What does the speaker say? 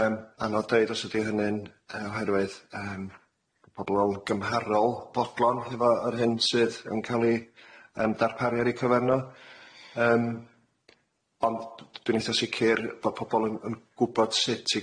Yym anodd deud os ydi hynny'n yy oherwydd yym pobol yn gymharol bodlon efo yr hyn sydd yn ca'l i yym darparu ar eu cyfer n'w yym ond d- dwi'n eitha sicir bo' pobol yn yn gwbod sut i